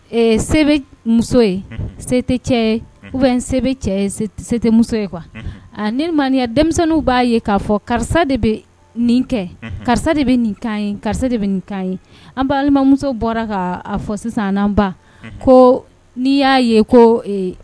Sebe muso ye se cɛ u bɛ n se tɛ ye ni mananiya denmisɛnninw b'a ye k'a fɔ karisa de bɛ nin kɛ karisa de bɛ nin ka ɲi karisa de bɛ nin ka ɲi an balimamuso bɔra k' fɔ sisan ba ko n'i y'a ye ko